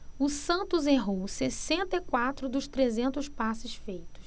o santos errou sessenta e quatro dos trezentos passes feitos